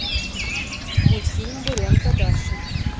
мультфильм буренка даша